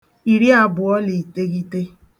ìri àbụ̀ọ là ìteghite